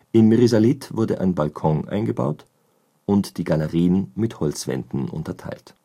Im Risalit wurde ein Balkon eingebaut und die Galerien mit Holzwänden unterteilt